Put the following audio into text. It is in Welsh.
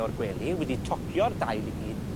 o'r gwely, wedi tocio'r dail i gyd.